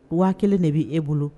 1000 de be e bolo